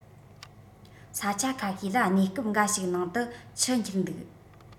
ས ཆ ཁ ཤས ལ གནས སྐབས འགའ ཞིག ནང དུ ཆུ འཁྱིལ འདུག